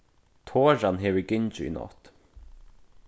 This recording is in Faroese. toran hevur gingið í nátt